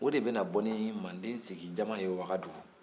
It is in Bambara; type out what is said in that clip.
o de bɛna bɔ ni manden sigijama ye wagadugu